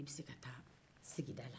i bɛ se ka taa sigida la